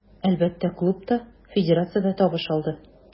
Әлбәттә, клуб та, федерация дә табыш алды.